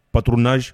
Patourunruna